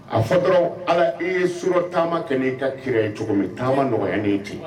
A fɔ dɔrɔn ala e ye s taama kɛ n'i ka ki ye cogo min taama nɔgɔya ni ci